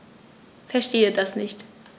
Verstehe das nicht.